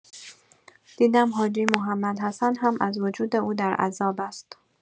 دیدم حاجی محمدحسن هم از وجود او در عذاب است.